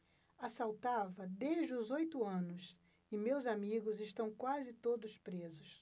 assaltava desde os oito anos e meus amigos estão quase todos presos